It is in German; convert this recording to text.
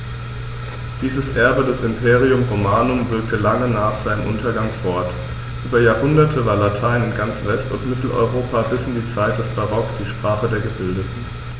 Dieses Erbe des Imperium Romanum wirkte lange nach seinem Untergang fort: Über Jahrhunderte war Latein in ganz West- und Mitteleuropa bis in die Zeit des Barock die Sprache der Gebildeten.